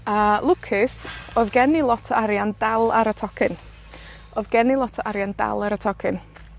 A lwcus odd gen i lot o arian dal ar y tocyn. Odd gen i lot o arian dal ar y tocyn.